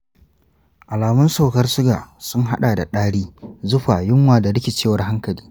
alamun saukar suga sun haɗa da ɗari, zufa, yunwa da rikicewar hankali.